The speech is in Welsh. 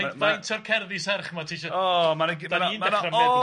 Fai- faint o'r cerddi serch ma' ti isio... O ma'na g-